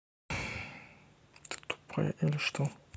ты тупая или что